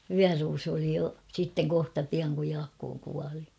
vyöruusu oli jo sitten kohta pian kun Jaakko kuoli